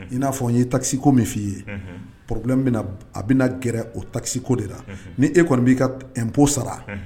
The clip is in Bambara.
I n'a fɔ n ye takisiko min f'i ye pbu bɛ a bɛna na gɛrɛ o takiko de la ni e kɔni b'i kabo sara